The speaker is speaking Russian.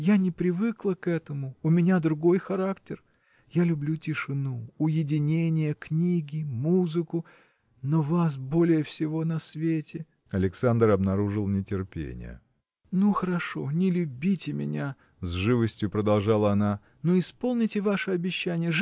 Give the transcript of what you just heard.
я не привыкла к этому, у меня другой характер. Я люблю тишину уединение книги музыку но вас более всего на свете. Александр обнаружил нетерпение. – Ну, хорошо! не любите меня – с живостию продолжала она – но исполните ваше обещание